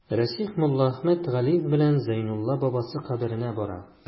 Расих Муллаәхмәт Галиев белән Зәйнулла бабасы каберенә бара.